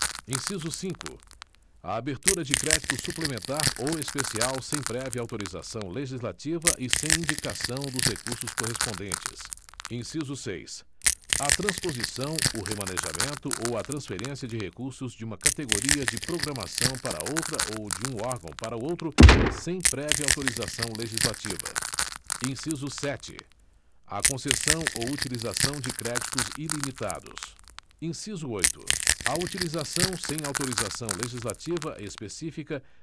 inciso cinco a abertura de crédito suplementar ou especial sem prévia autorização legislativa e sem indicação dos recursos correspondentes inciso seis a transposição o remanejamento ou a transferência de recursos de uma categoria de programação para outra ou de um órgão para outro sem prévia autorização legislativa inciso sete a concessão ou utilização de créditos ilimitados inciso oito a utilização sem autorização legislativa específica